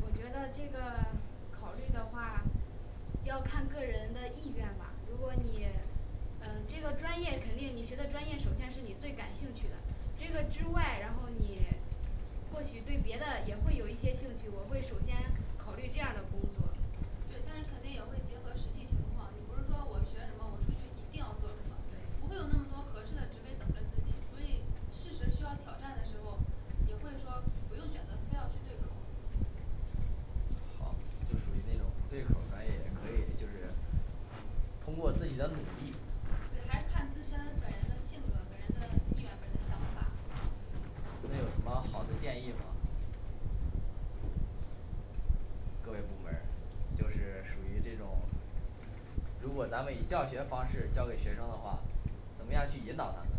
我觉得这个考虑的话要看个人的意愿吧，如果你呃这个专业肯定你学的专业首先是你最感兴趣的这个之外，然后你或许对别的也会有一些兴趣，我会首先考虑这样儿的工作对，但是肯定也会结合实际情况也不是说我学什么，我出去一定要做什么，不对会有那么多合适的职位等着自己所以事实需要挑战的时候，也会说不用选择非要去对口好，就属于那种不对口儿的专业，也可以就是通过自己的努力。各位部门就是属于这种如果咱们以教学方式教给学生的话，怎么样去引导他们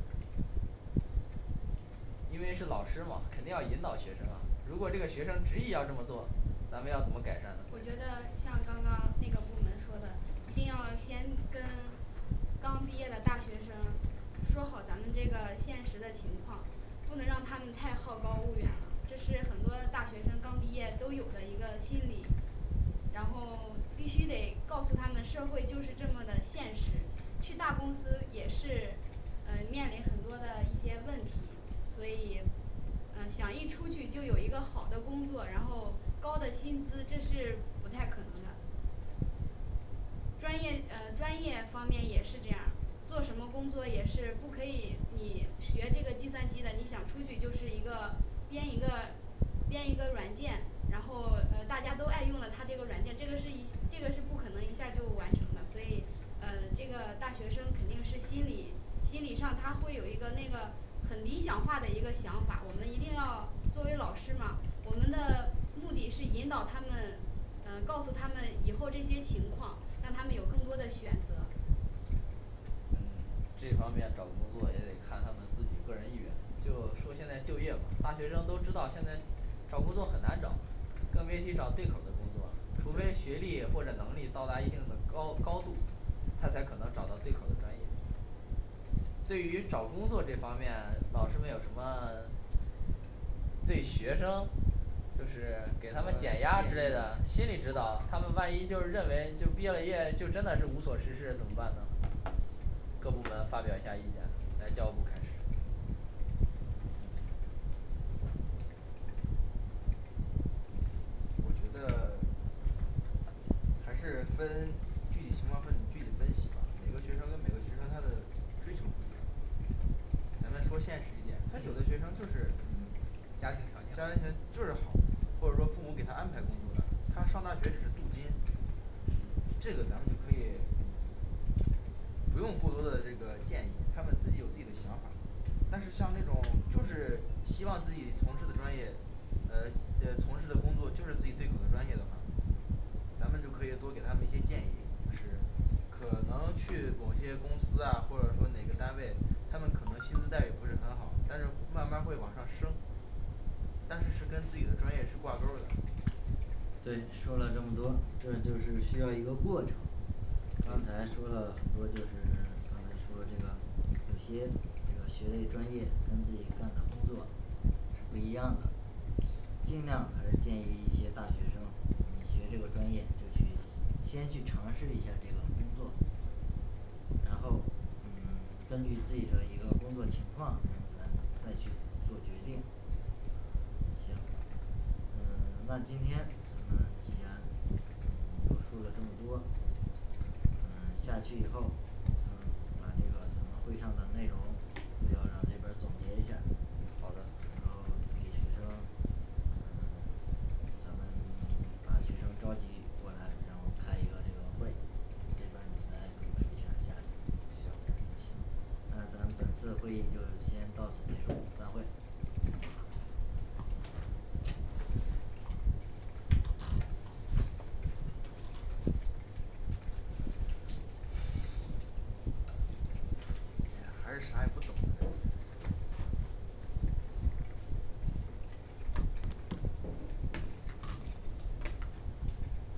因为是老师嘛肯定要引导学生啊，如果这个学生执意要这么做，咱们要怎么改善？我觉得像刚刚那个部门说的，一定要先跟刚毕业的大学生说好咱们这个现实的情况，不能让他们太好高骛远了，这是很多大学生刚毕业都有的一个心理然后必须得告诉他们社会就是这么的现实，去大公司也是呃面临很多的一些问题，所以呃想一出去就有一个好的工作，然后高的薪资这是不太可能的。专业呃专业方面也是这样，做什么工作也是不可以，你学这个计算机的你想出去就是一个编一个编一个软件，然后呃大家都爱用了，它这个软件一这个是不可能一下就完成的，所以呃这个大学生肯定是心理心理上他会有一个那个很理想化的一个想法，我们一定要作为老师嘛，我们的目的是引导他们呃告诉他们以后这些情况让他们有更多的选择对对于找工作这方面，老师们有什么对学生就是给他们减压之类的心理指导，他们万一就是认为就毕了业，真的是无所事事怎么办呢各部门发表一下意见来教务部开始我觉得还是分具体情况和你们具体分析吧，每个学生跟每个学生他的追求不一样嗯这个咱们就可以嗯不用过多的这个建议他们自己有自己的想法儿，但是像那种就是希望自己从事的专业呃呃从事的工作就是自己对口儿的专业的话，咱们就可以多给他们一些建议，是可能去某些公司啊或者说哪个单位，他们可能薪资待遇不是很好，但是慢儿慢儿会往上升但是是跟自己的专业是挂钩儿的。对，说了这么多，这就是需要一个过程。刚对才说了很多就是，刚才说这个有些这个学嘞专业跟自己干的工作是不一样的尽量还是建议一些大学生，你学这个专业就去先去尝试一下这个工作，然后嗯 根据自己的一个工作情况，然后咱再去做决定行呃那今天我们既然嗯都说了这么多呃下去以后，咱们把这个咱们会上的内容副校长这边儿总结一下儿。好的然后给学生咱们 把学生召集过来，然后开一个这个会嗯行行那咱本次会议就先到此结束，散会还是啥也不懂这个